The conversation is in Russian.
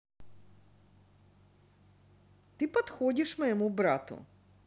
ты подходишь моему брату